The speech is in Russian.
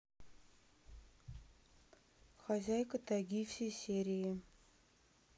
хозяйка тайги все серии